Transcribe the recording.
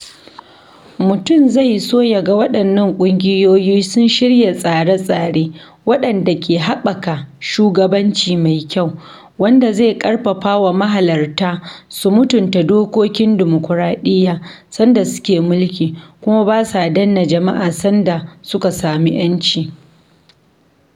Mutum zai so ya ga waɗannan ƙungiyoyi sun shirya tsare-tsare waɗanda ke haɓaka shugabanci mai kyau, wanda zai ƙarfafawa mahalarta su mutunta dokokin dimokuradiyya sanda suke mulki, kuma ba sa danne jama'a sanda suka samu ƴanci.